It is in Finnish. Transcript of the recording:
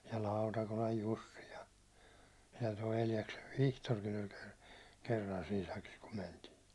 ja Lautakolan Jussi ja ja tuo Eljaksen Vihtorikin oli - kerran siinä sakissa kun mentiin